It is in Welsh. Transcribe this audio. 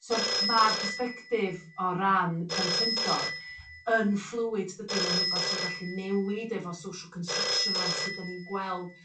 So ma'r persbectif o ran plentyndod yn fluid dydi ma'n wbath sy'n gallu newid efo social construction o ran sud 'dan ni'n gweld